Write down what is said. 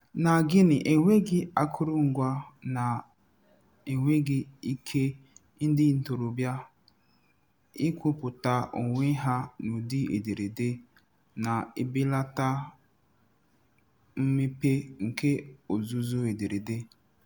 Na Guinea, enweghi akụrụngwa na enweghị ike ndị ntorobịa ikwupụta onwe ha n'ụdị ederede na-ebelata mmepe nke ozuzu ederede.